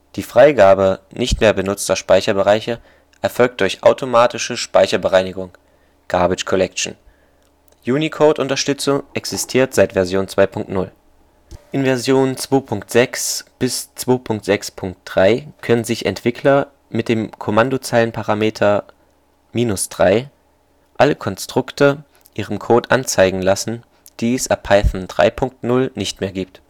Die Freigabe nicht mehr benutzter Speicherbereiche erfolgt durch automatische Speicherbereinigung (garbage collection). Unicode-Unterstützung existiert seit Version 2.0. In Version 2.6 bis 2.6.3 können sich Entwickler mit dem Kommandozeilenparameter „ -3 “alle Konstrukte in ihrem Code anzeigen lassen, die es ab Python 3.0 nicht mehr gibt